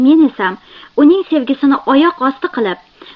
men esam uning sevgisini oyoq osti qilib